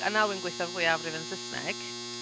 A nawr wi'n gweithio'r fwyafrif yn Saesneg.